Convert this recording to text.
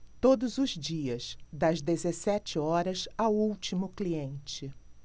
todos os dias das dezessete horas ao último cliente